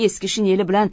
eski shineli bilan